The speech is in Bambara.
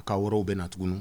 A ka yɔrɔw bɛn na tugun